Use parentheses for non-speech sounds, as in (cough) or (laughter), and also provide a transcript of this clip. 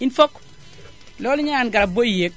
il faut que (music) loolu ñu naan garab booy yéeg